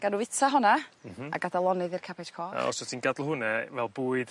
ga' n'w fita honna... M-hm. ...a gadal lonydd i'r cabej coch. O so ti'n gadl hwnna fel bwyd